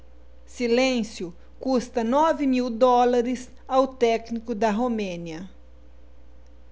silêncio custa nove mil dólares ao técnico da romênia